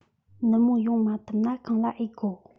ནུབ མོ ཡོང མ ཐུབ ན ཁང གླ ཨེ དགོ